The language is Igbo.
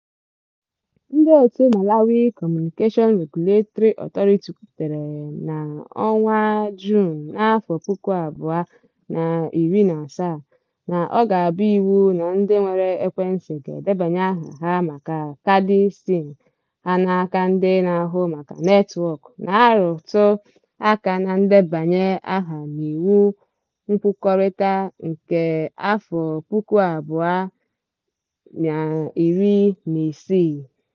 Ndịòtù Malawi Communication Regulatory Authority kwupụtara na Juun 2017 na ọ ga-abụ iwu na ndị nwere ekwentị ga-edebanye aha maka kaadị SIM ha n'aka ndị na-ahụ maka netwọk, na-arụtụaka na ndebanye aha n'Iwu Nkwukọrịta nke 2016.